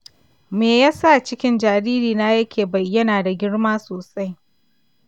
me ya sa cikin jaririna yake bayyana da girma sosai?